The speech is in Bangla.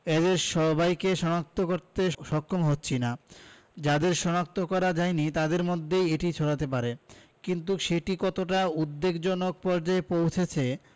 এদের সবাইকে শনাক্ত করতে সক্ষম হচ্ছি না যাদের শনাক্ত করা যায়নি তাদের মাধ্যমেই এটি ছড়াতে পারে কিন্তু সেটি কতটা উদ্বেগজনক পর্যায়ে পৌঁছেছে